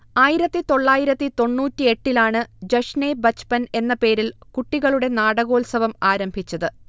ആയിരത്തി തൊള്ളായിരത്തി തൊണ്ണൂറ്റിയെട്ടിലാണ് ജഷ്നേ ബച്പൻ എന്ന പേരിൽ കുട്ടികളുടെ നാടകോത്സവം ആരംഭിച്ചത്